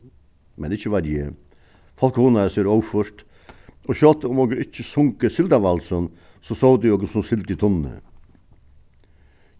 men ikki veit eg fólk hugnaðu sær óført og sjálvt um okur ikki sungu sildavalsin so sótu okur sum sild í tunnu